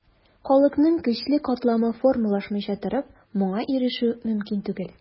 Халыкның көчле катламы формалашмыйча торып, моңа ирешү мөмкин түгел.